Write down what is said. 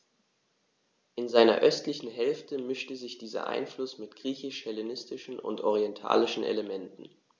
In seiner östlichen Hälfte mischte sich dieser Einfluss mit griechisch-hellenistischen und orientalischen Elementen.